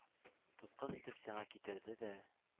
Тоткын итеп сиңа китерде дә